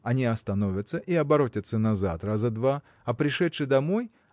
они остановятся и оборотятся назад раза два а пришедши домой